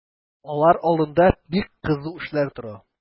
Алар алдында бик кызу эшләр тора.